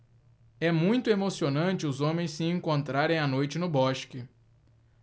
é muito emocionante os homens se encontrarem à noite no bosque